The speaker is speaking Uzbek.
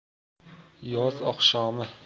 yoz oqshomi